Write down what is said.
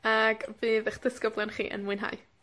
bydd 'ych disgyblion chi yn mwynhau.